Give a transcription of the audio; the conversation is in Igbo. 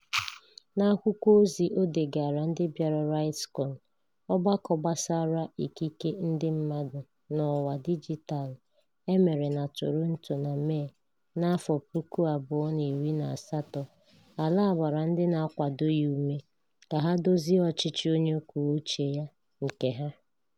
N'akwụkwọ ozi o degaara ndị bịara RightsCon, ọgbakọ gbasara ikike ndị mmadụ n'ọwa dijitalụ e mere na Toronto na Mee 2018, Alaa gbara ndị na-akwado ya ume ka ha "dozie ọchịchị onye kwuo uche ya [nke ha]".